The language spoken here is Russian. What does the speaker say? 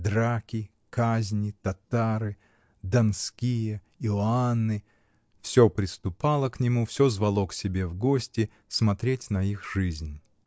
Драки, казни, татары, Донские, Иоанны — всё приступало к нему, всё звало к себе в гости, смотреть на их жизнь.